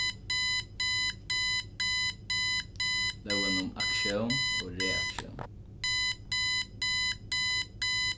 lógin um aktión og reaktión